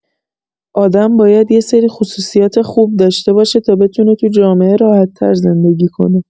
آدم باید یه سری خصوصیات خوب داشته باشه تا بتونه تو جامعه راحت‌تر زندگی کنه.